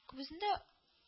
Күбесендә